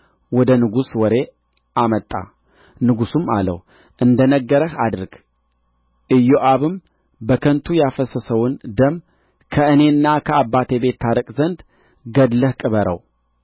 ወደ ንጉሡ ወሬ አመጣ ንጉሡም አለው እንደ ነገረህ አድርግ ኢዮአብም በከንቱ ያፈሰሰውን ደም ከእኔና ከአባቴ ቤት ታርቅ ዘንድ ገድለህ ቅበረው